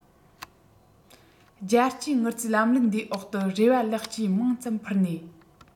རྒྱལ སྤྱིའི དངུལ རྩའི ལམ ལུགས འདིའི འོག ཏུ རེ བ ལེགས སྐྱེས མང ཙམ ཕུལ ནས